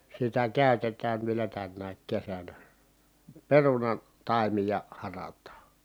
sitä käytetään vielä tänä kesänä perunan taimia harataan